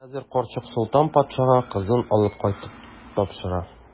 Хәзер карчык Солтан патшага кызын алып кайтып тапшыра.